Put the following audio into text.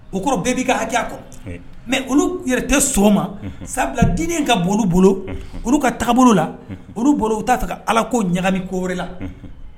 O kɔrɔ bɛɛ'i ha kɔ mɛ olu yɛrɛ tɛ so o ma sabula diinɛ ka boli bolo olu ka taabolo la olu bolo u taa ta ala ko ɲagami koɔri la